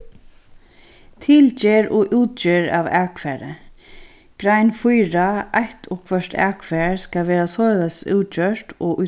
tilgerð og útgerð av akfari grein fýra eitt og hvørt akfar skal vera soleiðis útgjørt og í